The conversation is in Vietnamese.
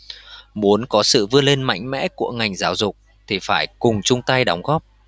muốn có sự vươn lên mạnh mẽ của ngành giáo dục thì phải cùng chung tay đóng góp